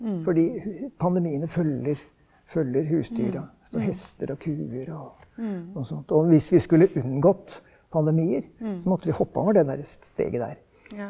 fordi pandemiene følger følger husdyra, så hester og kuer og og sånt og hvis vi skulle unngått pandemier så måtte vi hoppe over det der steget der.